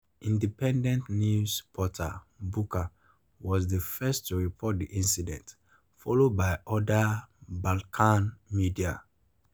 Independent news portal Buka was the first to report the incident, followed by other Balkan media.